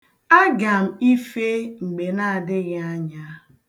Aga m efe mgbe na-adịghị anya.